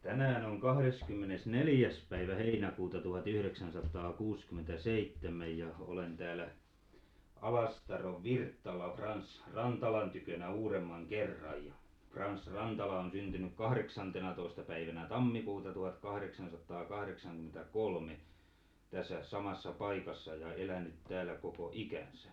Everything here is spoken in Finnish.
tänään on kahdeskymmenesneljäs päivä heinäkuuta tuhatyhdeksänsataa kuusikymmentäseitsemän ja olen täällä Alastaron Virttaalla Frans Rantalan tykönä uudemman kerran ja Frans Rantala on syntynyt kahdeksantenatoista päivänä tammikuuta tuhatkahdeksansataa kahdeksankymmentä kolme tässä samassa paikassa ja elänyt täällä koko ikänsä